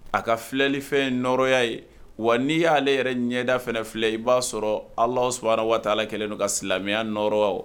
A ka filɛlifɛn nɔɔrɔya ye wa n'i y'ale yɛrɛ ɲɛda fana filɛ i b'a sɔrɔ ala sana waati taa kɛlen ka silamɛya n nɔɔrɔ